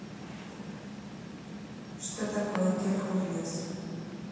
что такое кель курьез